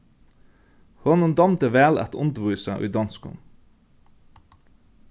honum dámdi væl at undirvísa í donskum